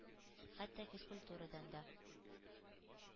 Хәтта физкультурадан да.